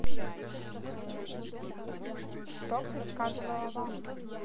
что предсказывала ванга